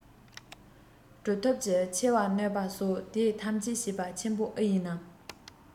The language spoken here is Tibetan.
གྲུབ ཐོབ ཀྱི ཆེ བར གནོད པ སོགས དེ ཐམས ཅད བྱས པ ཆེན པོ ཨེ ཡིན ནམ